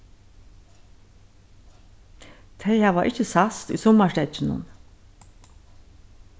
tey hava ikki sæst í summarsteðginum